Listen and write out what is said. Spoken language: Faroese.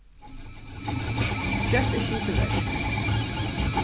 skjótt er skitið verk